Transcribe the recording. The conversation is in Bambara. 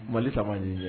Mali